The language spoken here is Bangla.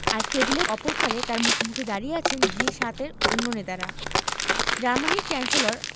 আর টেবিলের অপর পারে তাঁর মুখোমুখি দাঁড়িয়ে আছেন জি ৭ এর অন্য নেতারা জার্মানির চ্যান্সেলর